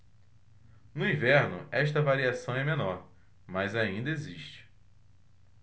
no inverno esta variação é menor mas ainda existe